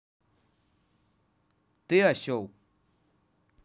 ты осел